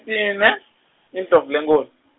sine iNdlovu lenkulu.